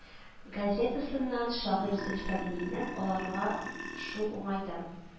Газетасыннан шагыйрь зөлфәт миннән аларга шул уңайдан